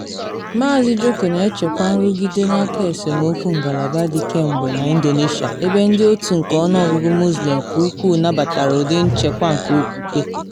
Maazị Joko na echekwa nrụgide n’aka esemokwu ngalaba dị kemgbe na Indonesia, ebe ndị otu nke ọnụọgụgụ Muslim ka ukwuu nabatara ụdị nchekwa nke okwukwe.